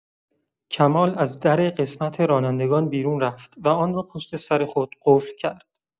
کمال از در قسمت رانندگان بیرون رفت و آن را پشت‌سر خود قفل کرد.